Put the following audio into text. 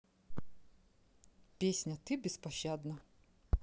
песня ты беспощадна